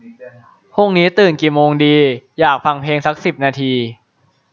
พรุ่งนี้ตื่นกี่โมงดีอยากฟังเพลงก่อนซักสิบนาที